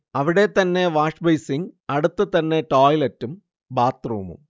അവിടെ തന്നെ വാഷ്ബെയ്സിങ്, അടുത്ത് തന്നെ ടോയ്ലറ്റും ബാത്ത്റൂമും